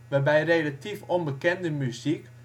waarbij relatief onbekende muziek